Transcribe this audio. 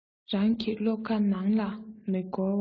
རང གི བློ ཁ ནང ལ མ བསྐོར བར